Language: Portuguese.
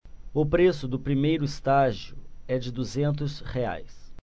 o preço do primeiro estágio é de duzentos reais